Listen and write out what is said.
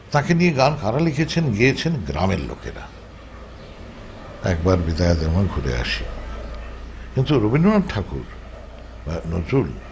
তাকে নিয়ে গান কারা লিখেছেন গেয়েছেন গ্রামের লোকেরা একবার বিদায় দে মা ঘুরে আসি কিন্তু রবীন্দ্রনাথ ঠাকুর বা নজরুল